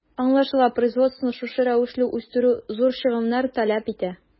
Аңлашыла, производствоны шушы рәвешле үстерү зур чыгымнар таләп итә.